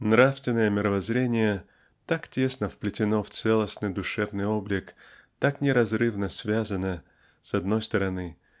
нравственное мировоззрение так тесно вплетено в целостный душевный облик так неразрывно связано с одной стороны